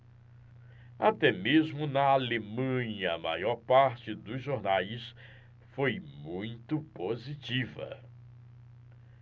até mesmo na alemanha a maior parte dos jornais foi muito positiva